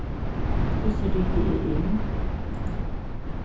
hvussu riti eg inn